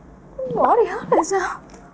bỏ đi hết rồi sao